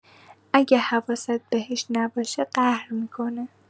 اگه حواست بهش نباشه، قهر می‌کنه.